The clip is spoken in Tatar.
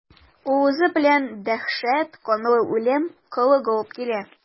Ул үзе белән дәһшәт, канлы үлем, коллык алып килә.